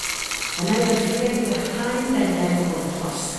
yna'u orchuddia gyda haen dene o gompost.